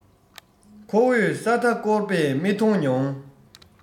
ཁོ བོས ས མཐའ བསྐོར པས མི མཐོང མྱོང